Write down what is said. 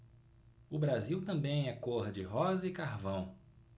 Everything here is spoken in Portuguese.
o brasil também é cor de rosa e carvão